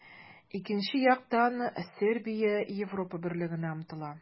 Икенче яктан, Сербия Европа Берлегенә омтыла.